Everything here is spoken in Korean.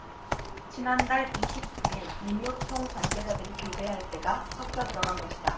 지난달 이십 구 일 민노총 관계자들이 교대할 때 가 섞여 들어간 것이다